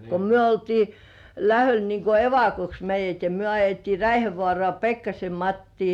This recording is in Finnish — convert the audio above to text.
kun me oltiin lähdöllä niin kun evakoksi meidät ja me ajettiin Räihävaaraan Pekkasen Mattia